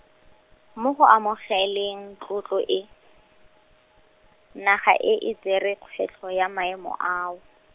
mo go amogeleng tlotlo e, naga e e tsere kgwetlho ya maemo ao.